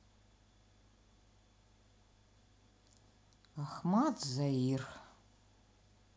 ахмат зоир